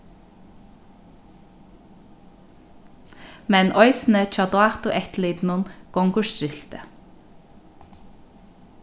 men eisini hjá dátueftirlitinum gongur striltið